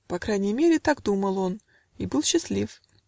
по крайней мере Так думал он, и был счастлив.